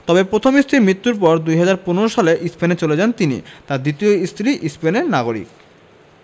তবে প্রথম স্ত্রীর মৃত্যুর পর ২০১৫ সালে স্পেনে চলে যান তিনি তাঁর দ্বিতীয় স্ত্রী স্পেনের নাগরিক